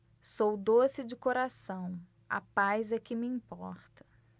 sou doce de coração a paz é que me importa